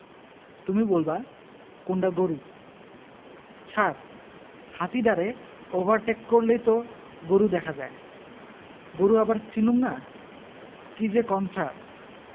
তুমি বলবা কোনডা গরু ছার হাতিডারে ওভারটেক করলেই তো গরু দেহা যায় গরু আবার চিনুম না কি যে কন ছার